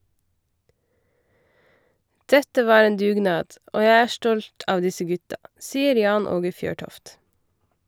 Dette var en dugnad, og jeg er stolt av disse gutta, sier Jan Åge Fjørtoft.